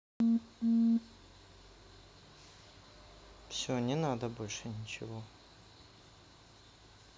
все не надо больше ничего